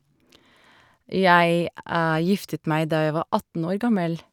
Jeg giftet meg da jeg var atten år gammel.